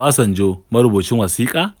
Obasanjo, marubucin wasiƙa?